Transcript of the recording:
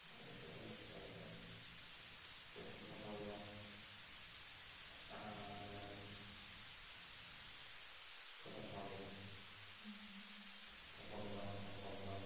Dwi isie gwneud yr yym dysgu cerddoriaeth a'r yym cyfansoddi... m-hm... perfformio ensemblau.